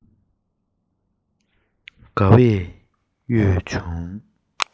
དགའ བས གཡོས བྱུང